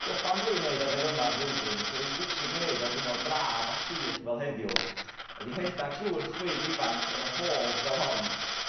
Jopan dwi'n neud adeg yma o'r flwyddyn sy reit bwysig i neud ar ddwrnod braf a sych fel heddiw ydi rhedag drŵr chwyn ifanc efo hof fel hon